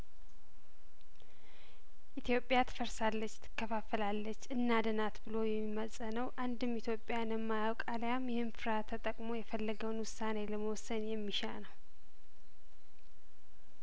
ኢትዮጵያት ፈር ሳለችት ከፋፈ ላለች እናድናት ብሎ የሚማጸነው አንድም ኢትዮጵያን የማያውቅ አሊያም ይህን ፍርሀት ተጠቅሞ የፈለገውን ውሳኔ ለመወሰን የሚሻ ነው